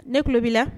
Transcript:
Ne kulo bi la.